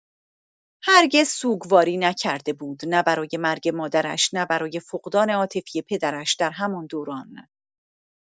هرگز سوگواری نکرده بود، نه برای مرگ مادرش نه برای فقدان عاطفی پدرش در همان دوران